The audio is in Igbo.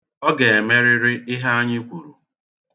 Ọ ga-emerịrị ihe anyị kwuru.